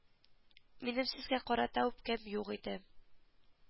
Минем сезгә карата үпкәм юк диде